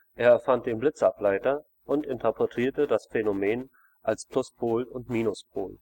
erfand den Blitzableiter und interpretierte das Phänomen als Pluspol und Minuspol